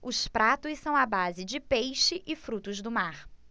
os pratos são à base de peixe e frutos do mar